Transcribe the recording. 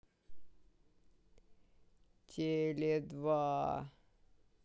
теле два